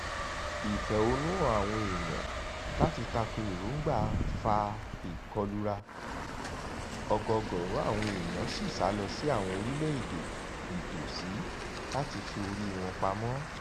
Ìfẹ̀hónúhàn àwọn èèyàn láti tako èròńgbà fa ìkọlura, ọgọọgọ̀rún àwọn èèyàn sì sá lọ sí àwọn orílẹ̀-èdè ìtòsí láti fi oríi wọn pamọ.”